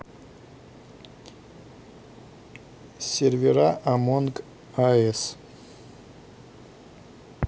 сервера амонг ас